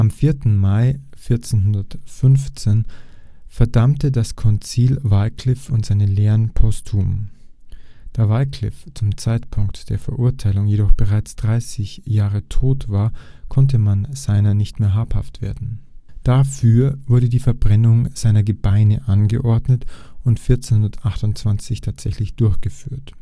4. Mai 1415 verdammte das Konzil Wyclif und seine Lehre posthum. Da Wyclif zum Zeitpunkt der Verurteilung jedoch bereits 30 Jahre tot war, konnte das Urteil nicht mehr vollstreckt werden. Dafür wurde die Verbrennung seiner Gebeine angeordnet und 1428 tatsächlich durchgeführt